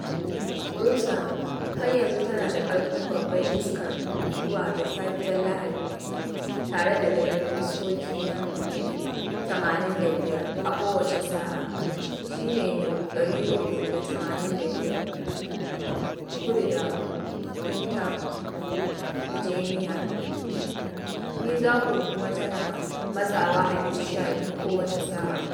Rosa, har yanzu tana da ƙarfin babbar iskar guguwa da safiyar Lahadi tare da gayar iskoki na mil 85 a kowace sa’a, shi ne mil 385 kudu da Punta Eugenia, Mexico kuma tana matsawa a mil 12 kowace sa’a.